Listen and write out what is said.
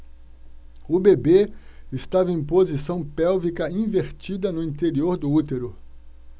o bebê estava em posição pélvica invertida no interior do útero